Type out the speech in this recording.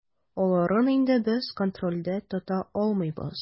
Аларын инде без контрольдә тота алмыйбыз.